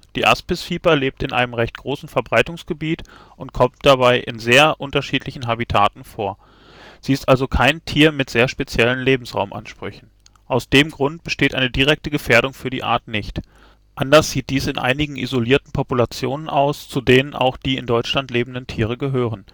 Die Aspisviper lebt in einem recht großen Verbreitungsgebiet und kommt dabei in sehr unterschiedlichen Habitaten vor, sie ist also kein Tier mit sehr speziellen Lebensraumansprüchen. Aus dem Grund besteht eine direkte Gefährdung für die Art nicht. Anders sieht dies in einigen isolierten Populationen aus, zu denen auch die in Deutschland lebenden Tiere gehören